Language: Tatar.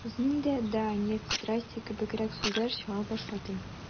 Бездән дә «да», «нет», «здрасте» кебегрәк сүзләр чыга башлады.